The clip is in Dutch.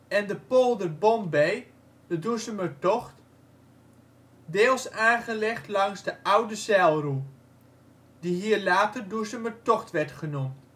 en de Polder Bombay (Doezumertocht) deels aangelegd langs de Oude Zijlroe, die hier later Doezumertocht werd genoemd